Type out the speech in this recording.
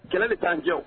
Kɛlɛ bɛ taa jɔ